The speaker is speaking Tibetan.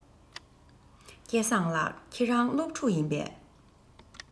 སྐལ བཟང ལགས ཁྱེད རང སློབ ཕྲུག ཡིན པས